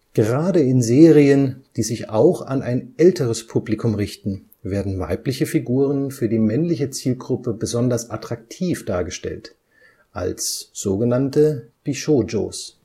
Gerade in Serien, die sich auch an ein älteres Publikum richten, werden weibliche Figuren für die männliche Zielgruppe besonders attraktiv dargestellt, als sogenannte Bishōjos